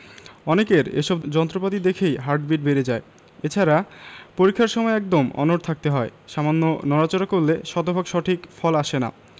অনেকের এসব যন্ত্রপাতি দেখেই হার্টবিট বেড়ে যায় এছাড়া পরীক্ষার সময় একদম অনড় হয়ে থাকতে হয় সামান্য নড়াচড়া করলে শতভাগ সঠিক ফল আসে না